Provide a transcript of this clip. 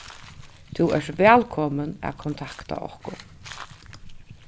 tú ert vælkomin at kontakta okkum